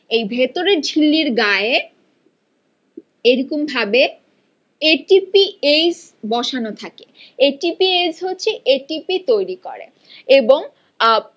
এই ভেতরের ঝিল্লির গায় এরকমভাবে ই টি পি এইচ বসানো থাকে এটিপি এইচ হচ্ছে এটিপি তৈরি করে এবং